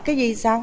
cái gì sao